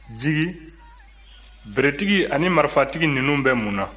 jigi beretigi ani marifatigi ninnu bɛ mun na